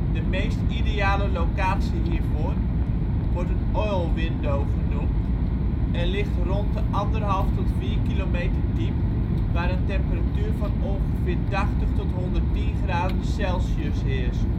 De meest ideale locatie hiervoor wordt een oil window genoemd en ligt rond de 1,5 tot 4 kilometer diep, waar een temperatuur van ongeveer 80 tot 110 graden Celsius heerst